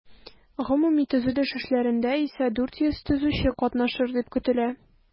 Гомуми төзелеш эшләрендә исә 400 төзүче катнашыр дип көтелә.